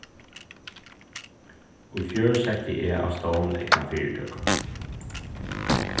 í fjør setti eg á stovn egna fyritøku